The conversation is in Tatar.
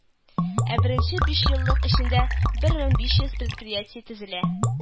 Ә беренче бишьеллык эчендә бер мең биш йөз предприятие төзелә